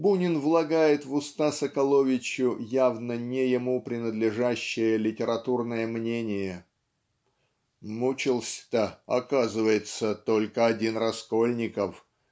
Бунин влагает в уста Соколовичу явно не ему принадлежащее литературное мнение "Мучился-то оказывается только один Раскольников